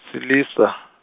silisa.